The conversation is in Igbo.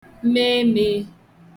meēmeē